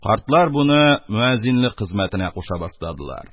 Картлар буны мөәзинлек хезмәтенә куша башладылар.